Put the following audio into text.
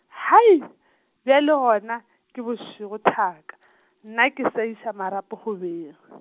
haai, bjale gona, ke bošego thaka , nna ke se iša marapo go beng.